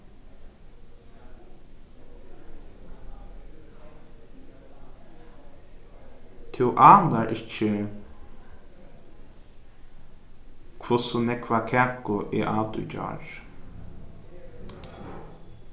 tú ánar ikki hvussu nógva kaku eg át í gjár